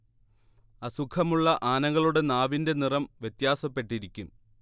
അസുഖം ഉള്ള ആനകളുടെ നാവിന്റെ നിറം വ്യത്യാസപ്പെട്ടിരിക്കും